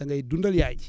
da ngay dundal yay ji